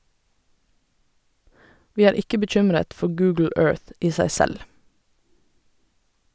- Vi er ikke bekymret for Google Earth i seg selv.